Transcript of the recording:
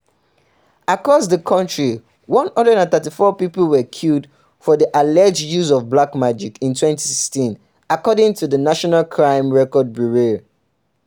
Across the country, 134 people were killed for the alleged use of "black magic" in 2016, according to the National Crime Records Bureau.